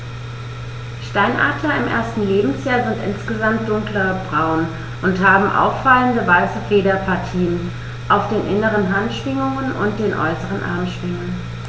Steinadler im ersten Lebensjahr sind insgesamt dunkler braun und haben auffallende, weiße Federpartien auf den inneren Handschwingen und den äußeren Armschwingen.